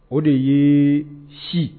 O de ye si